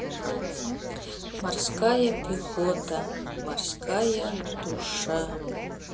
морская пехота морская душа